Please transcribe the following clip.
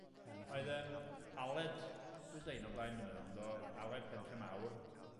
Roedd yym Aled dwi deud 'wn o blaen dwi meddwl yndo Aled Penlle Mawr